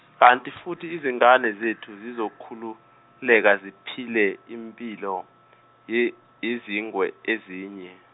kanti futhi izingane zethu zizokhululeka ziphile impilo ye yezingwe ezinye.